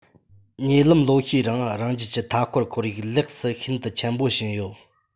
ཉེ ལམ ལོ ཤས རིང རང རྒྱལ གྱི མཐའ འཁོར ཁོར ཡུག ལེགས སུ ཤིན ཏུ ཆེན པོ ཕྱིན ཡོད